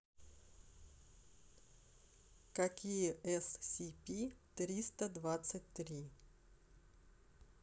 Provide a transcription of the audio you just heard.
какие scp триста двадцать три